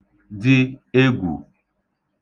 dị egwù